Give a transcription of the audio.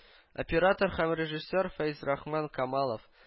Оператор һәм режиссер Фәйзрахман Камалов